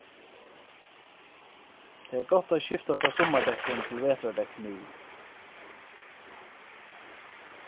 tað er gott at skifta frá summardekkum til vetrardekk nú